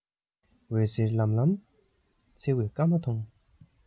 འོད ཟེར ལམ ལམ འཚེར བའི སྐར མ མཐོང